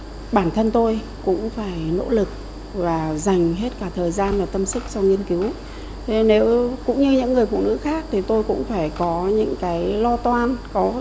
bản thân tôi cũng phải nỗ lực và giành hết cả thời gian và tâm sức cho nghiên cứu cũng như những người phụ nữ khác thì tôi cũng phải có những cái lo toan